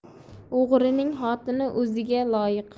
o'g'rining xotini o'ziga loyiq